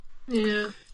Ie.